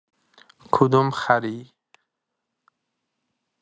کدوم خری